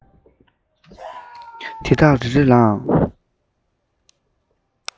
དེ དག རེ རེ ལའང